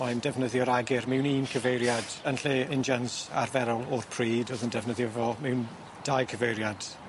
Mae'n defnyddio'r ager mewn un cyfeiriad yn lle injans arferol o'r pryd o'dd yn defnyddio fo mewn dau cyfeiriad.